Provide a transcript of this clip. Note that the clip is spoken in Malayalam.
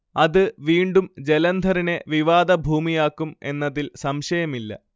അത് വീണ്ടും ജലന്ധറിനെ വിവാദഭൂമിയാക്കും എന്നതിൽ സംശയമില്ല